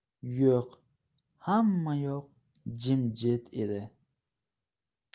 yo'q hammayoq jimjit edi